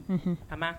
Unhun. A ma